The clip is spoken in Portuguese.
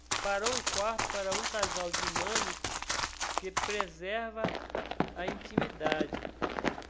farão um quarto para um casal dinâmico que preserva a intimidade